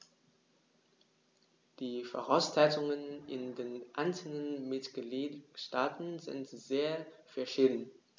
Die Voraussetzungen in den einzelnen Mitgliedstaaten sind sehr verschieden.